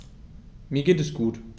Mir geht es gut.